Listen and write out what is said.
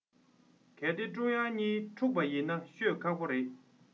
གལ ཏེ ཀྲུང དབྱང རང གཉིད འཁྲུག པ ཡིན ན ཤོད ཁག པོ རེད